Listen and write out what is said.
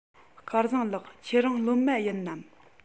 སྐལ བཟང ལགས ཁྱེད རང སློབ མ ཡིན ནམ